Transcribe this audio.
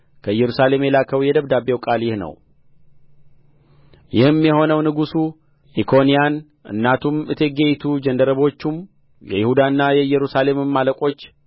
ከኢየሩሳሌም የላከው የደብዳቤው ቃል ይህ ነው ይህም የሆነው ንጉሡ ኢኮንያን እናቱም እቴጌይቱ ጃንደረቦቹም የይሁዳና የኢየሩሳሌምም አለቆች